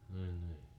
niin niin